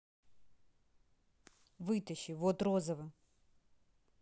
вытащи вот розово